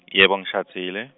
yebo ngishadzile.